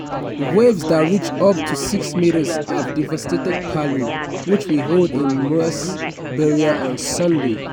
Waves that reached up to six meters have devastated Palu which will hold a mass burial on Sunday.